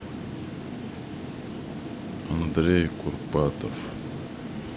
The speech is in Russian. андрей курпатов